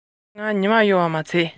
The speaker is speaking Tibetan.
བསྐོ བའི སྲོལ མེད པས དེའི སྐོར